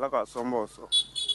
Ala ka sɔn nɔn o sɔrɔ